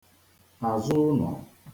àzụụnọ̀